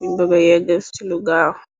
fuñ bëgë-yegg ci lu gaaw.